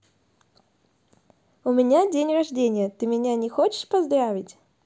у меня день рождения ты меня не хочешь поздравить